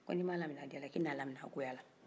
ko ni ma laminɛ a diya la k'i na laminɛ goya la